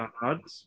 Barod?